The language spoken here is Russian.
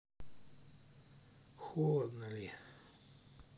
холодно ли